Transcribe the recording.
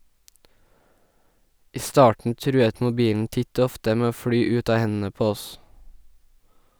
I starten truet mobilen titt og ofte med å fly ut av hendene på oss.